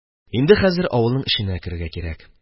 Инде хәзер авылның эченә керергә кирәк.